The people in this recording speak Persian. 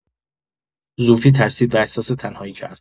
زوفی ترسید و احساس تنهایی کرد.